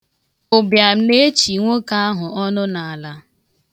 Ụbịam na-echi nwoke ahụ ọnụ n'ala.